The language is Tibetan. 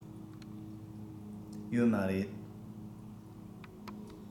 ཡོད མ རེད